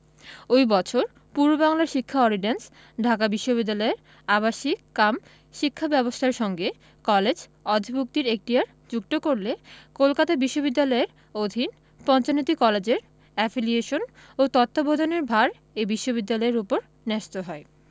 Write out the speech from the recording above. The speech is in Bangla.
ওই বছর পূর্ববাংলার শিক্ষা অর্ডিন্যান্স ঢাকা বিশ্ববিদ্যালয়ের আবাসিক কাম শিক্ষা ব্যবস্থার সঙ্গে কলেজ অধিভুক্তির এখতিয়ার যুক্ত করলে কলকাতা বিশ্ববিদ্যালয়ের অধীন ৫৫টি কলেজের এফিলিয়েশন ও তত্ত্বাবধানের ভার এ বিশ্ববিদ্যালয়ের ওপর ন্যস্ত হয়